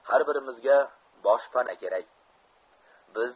har birimizga boshpana kerak